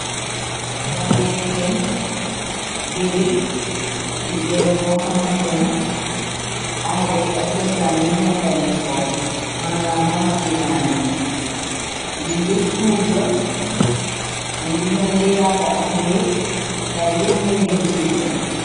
Jangee seen bérem, li berem boo xamantena, aadey ak cossaan yi ñoo fa neekoon, maanam mamaci maam yi, li yépp suuf la, mu ngi melni yaata bax néek, waaye yépp na gem suuf la.